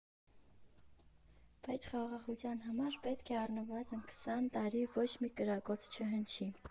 Բայց խաղաղության համար պետք է առնվազն քսան տարի ոչ մի կրակոց չհնչի։